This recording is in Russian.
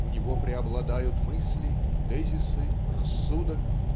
у него преобладают мысли, тезисы, рассудок